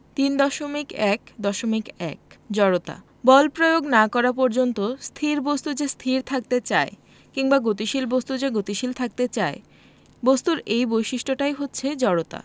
3.1.1 জড়তা বল প্রয়োগ না করা পর্যন্ত স্থির বস্তু যে স্থির থাকতে চায় কিংবা গতিশীল বস্তু যে গতিশীল থাকতে চায় বস্তুর এই বৈশিষ্ট্যটাই হচ্ছে জড়তা